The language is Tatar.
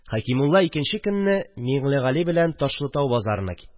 Хәкимулла икенче көнне Миңлегали белән Ташлытау базарына китте